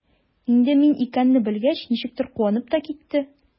Инде мин икәнне белгәч, ничектер куанып та китте.